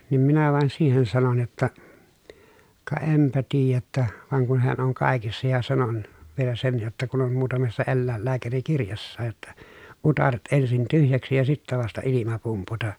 niin minä vain siihen sanoin jotta ka enpä tiedä että vaan kun he on kaikissa ja sanoin vielä sen jotta kun on muutamassa eläinlääkärikirjassakin jotta utareet ensin tyhjäksi ja sitten vasta ilma pumputa